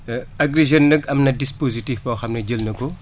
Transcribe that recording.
Agri Jeunes nag am na dispositif boo xam ne jël na k